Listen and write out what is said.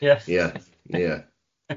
Ie?... Ia, ia.